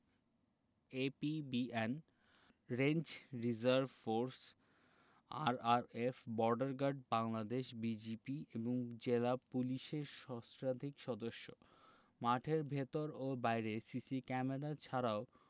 APBN range reserve force RRF border guard Bangladesh BGB এবং জেলা পুলিশের সহস্রাধিক সদস্য মাঠের ভেতর ও বাইরে সিসি ক্যামেরা ছাড়াও